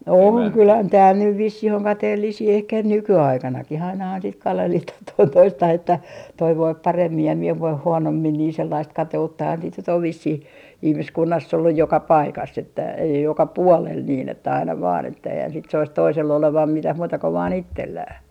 on - täällä nyt vissiin on kateellisia ehkä nykyaikanakin ainahan sitten kadehditaan toinen toistaan että toinen voi paremmin ja minä voin huonommin niin sellaista kateuttahan sitten nyt on vissiin ihmiskunnassa ollut joka paikassa että ei joka puolella niin että aina vain että eihän sitä soisi toisella olevan mitään muuta kuin vain itsellään